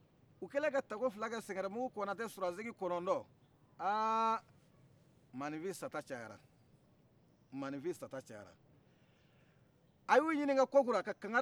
aa maaninfin sata cayara maaninfin sata cayara a y'u ɲininka kokura ka kangari da u ye